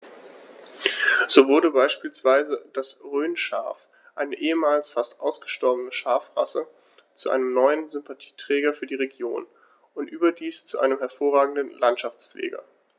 So wurde beispielsweise das Rhönschaf, eine ehemals fast ausgestorbene Schafrasse, zu einem neuen Sympathieträger für die Region – und überdies zu einem hervorragenden Landschaftspfleger.